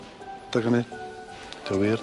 Dag ynny. 'Di o wir?